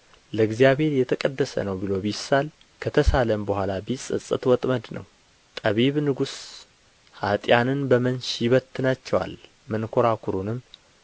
ለእግዚአብሔር የተቀደሰ ነው ብሎ ቢሳል ከተሳለም በኋላ ቢፀፀት ወጥመድ ነው ጠቢብ ንጉሥ ኀጥኣንን በመንሽ ይበትናቸዋል መንኰራኵሩንም